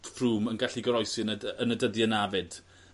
Froome yn gallu goroesi yn y dy- yn dyddie 'na 'fyd.